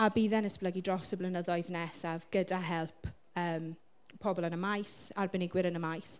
A bydd e'n esblygu dros y blynyddoedd nesaf. Gyda help yym pobl yn y maes, arbenigwyr yn y maes.